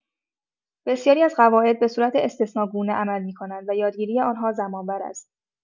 بسیاری از قواعد به صورت استثناگونه عمل می‌کنند و یادگیری آنها زمان‌بر است.